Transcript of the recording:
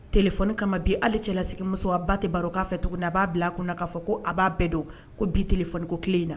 Tf kama bi ale cɛlasigi muso a ba tɛ baro k'a fɛ tuguni na a b'a bila a kun na k'a fɔ ko a b'a bɛɛ don ko bi teleoni ko tile in na